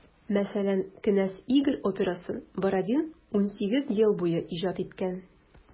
Мәсәлән, «Кенәз Игорь» операсын Бородин 18 ел буе иҗат иткән.